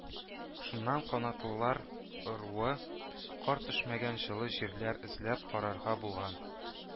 Шуннан канатлылар ыруы кар төшмәгән җылы җирләр эзләп карарга булган